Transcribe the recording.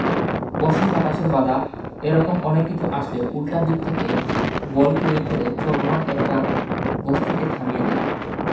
ঘর্ষণ বাতাসের বাধা এ রকম অনেক কিছু আসলে উল্টা দিক থেকে বল পয়োগ করে চলমান একটা বস্তুকে থামিয়ে দেয়